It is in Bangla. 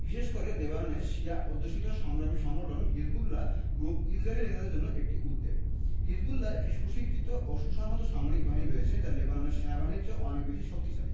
বিশেষ করে লেবাননের শিয়া অধ্যুষিত সংগ্রামী সংগঠন হিজবুল্লাহ গ্রুপ ইসরায়েলি নেতাদের জন্য একটি উদ্বেগ হিজবুল্লাহর একটি সুশিক্ষিত ও সুসংহত সামরিক বাহিনী রয়েছে যা লেবাননের সেনাবাহিনীর চেয়েও অনেক বেশি শক্তিশালী